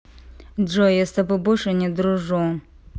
джой я с тобой больше не дружу